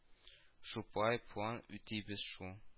Шулай план үтибез, шу